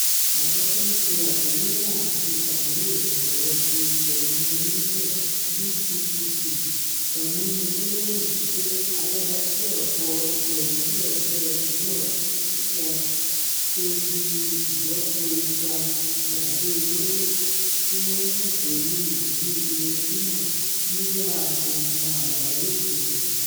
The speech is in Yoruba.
Àjọ tó Ńse Àgbéléwọ̀n àti Ìsàmúlò Ìmọ̀-ẹ̀rọ ti ilẹ̀ Indonesia (BPPT) sọ nínú gbólóhùn wí pé agbára tí ọ̀pọ̀ ilẹ̀-rírì ọjọ́ Ẹtì náà tú síta tó bíi i̇̀lopọ̀ igba ti àdó-olóró tí wọ́n jù sórí ìlú Hiroshima nígbà Ogun Àgbáyé Kejì.